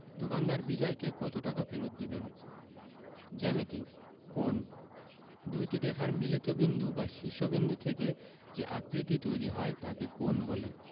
দোকানদার বিজয়কে কত টাকা ফেরত দেবেন জ্যামিতিঃ কোণঃ দুইটি রেখার মিলিত বিন্দু বা শীর্ষ বিন্দু থেকে যে আকৃতি তৈরি হয় তাকে কোণ বলে